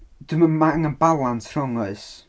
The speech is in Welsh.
Dwi'n meddwl mae angen balans rhwng oes?